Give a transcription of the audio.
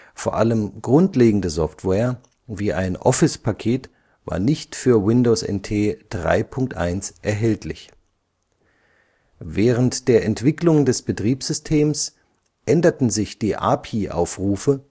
vor allem grundlegende Software, wie ein Office-Paket, war nicht für Windows NT 3.1 erhältlich. Während der Entwicklung des Betriebssystems änderten sich die API-Aufrufe